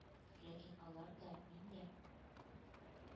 Ләкин алар да, мин дә